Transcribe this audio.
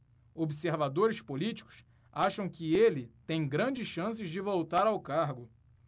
observadores políticos acham que ele tem grandes chances de voltar ao cargo